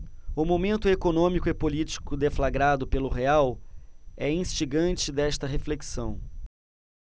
o momento econômico e político deflagrado pelo real é instigante desta reflexão